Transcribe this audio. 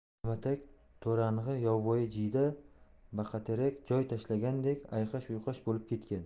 namatak to'rang'i yovvoyi jiyda baqaterak joy talashgandek ayqash uyqash bo'lib ketgan